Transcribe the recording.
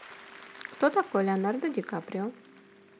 кто такой леонардо ди каприо